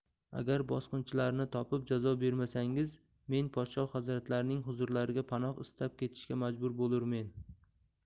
agar bosqinchilarni topib jazo bermasangiz men podshoh hazratlarining huzurlariga panoh istab ketishga majbur bo'lurmen